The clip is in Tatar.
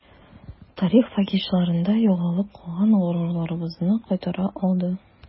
Тарих фаҗигаларында югалып калган горурлыгыбызны кайтара алды.